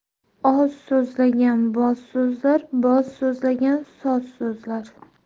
oz so'zlagan boz so'zlar boz so'zlagan soz so'zlar